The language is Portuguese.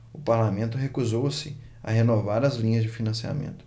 o parlamento recusou-se a renovar as linhas de financiamento